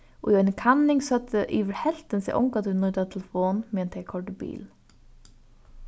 í eini kanning søgdu yvir helvtin seg ongantíð nýta telefon meðan tey koyrdu bil